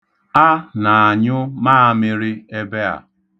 A na-anyụ maamịrị ebe a.